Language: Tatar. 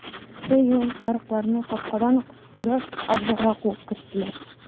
Сыер, сарыкларны капкадан ук туры абзарга куып керттеләр.